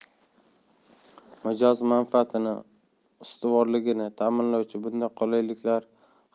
mijoz manfaati ustuvorligini ta'minlovchi bunday qulayliklar har